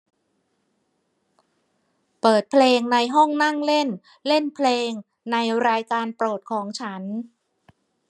เปิดเพลงในห้องนั่งเล่นเล่นเพลงในรายการโปรดของฉัน